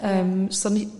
yym so ni